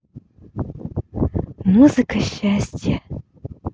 музыка счастья